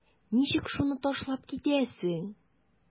Ничек шуны ташлап китәсең?